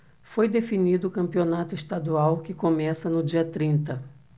foi definido o campeonato estadual que começa no dia trinta